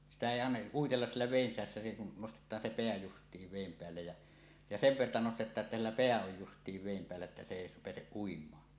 sitä ei - uitella siellä veden sisässä se kun nostetaan se pää justiin veden päälle ja ja sen verta nostetaan että sillä pää on justiin veden päällä että se ei pääse uimaan